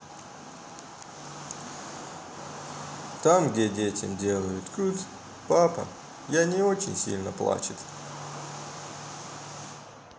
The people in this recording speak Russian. там где детям делают cut папа я не очень сильно плачет